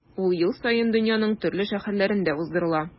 Ул ел саен дөньяның төрле шәһәрләрендә уздырыла.